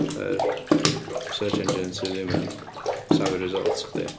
Yr search engine sydd ddim yn safio results chdi.